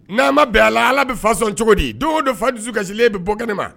N'a ma bɛn a Ala bɛ fa sɔn cogo di don o don fa dusu kasilen bɛ bɔ kɛnɛ ma.